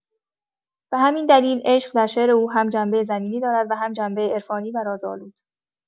به همین دلیل، عشق در شعر او هم جنبه زمینی دارد و هم جنبه عرفانی و رازآلود.